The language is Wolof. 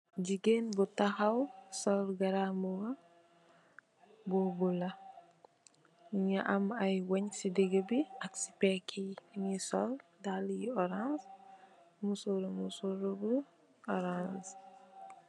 Jigéen bu tahaw sol garambubu bu bula, mungi am ay wënn ci digi bi ak ci pegg yi. Nungi sol daal yu orance, musóoru, musóor bu orance .